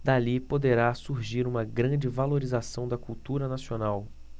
dali poderá surgir uma grande valorização da cultura nacional